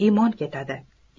imon ketadi